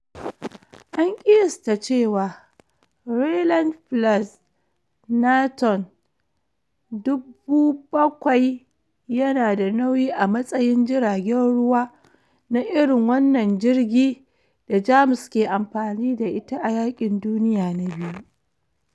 An kiyasta cewa "Rheinland-Pfalz" na ton 7,000 "yana da nauyi a matsayin jiragen ruwa na irin wannan jirgi da Jamus ke amfani da ita a yakin duniya na biyu.